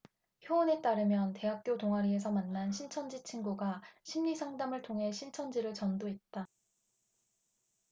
효은에 따르면 대학교 동아리에서 만난 신천지 친구가 심리상담을 통해 신천지를 전도했다